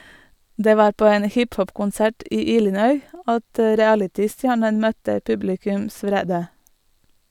Det var på en hiphop-konsert i Illinois at realitystjernen møtte publikums vrede.